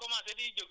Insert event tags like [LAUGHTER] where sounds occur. [HESITATION] [HESITATION]